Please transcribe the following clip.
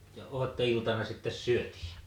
ja aattoiltana sitten syötiin